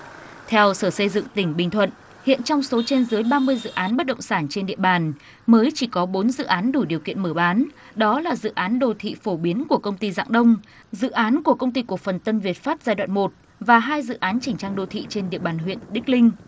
theo sở xây dựng tỉnh bình thuận hiện trong số trên dưới ba mươi dự án bất động sản trên địa bàn mới chỉ có bốn dự án đủ điều kiện mở bán đó là dự án đô thị phổ biến của công ty rạng đông dự án của công ty cổ phần tân việt phát giai đoạn một và hai dự án chỉnh trang đô thị trên địa bàn huyện đức linh